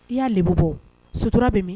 I y'a bbɔ sutura bɛ min